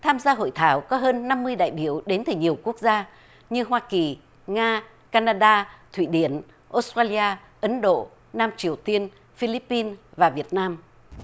tham gia hội thảo có hơn năm mươi đại biểu đến từ nhiều quốc gia như hoa kỳ nga ca na đa thụy điển ốt tra li a ấn độ nam triều tiên phi líp pin và việt nam